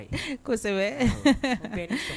Kosɛbɛ